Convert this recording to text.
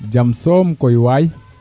jam soom koy waay